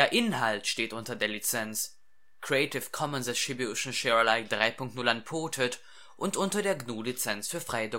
Inhalt steht unter der Lizenz Creative Commons Attribution Share Alike 3 Punkt 0 Unported und unter der GNU Lizenz für freie Dokumentation